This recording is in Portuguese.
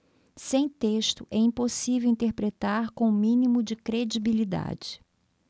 sem texto é impossível interpretar com o mínimo de credibilidade